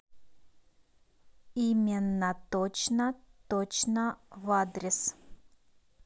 именно точно точно в адрес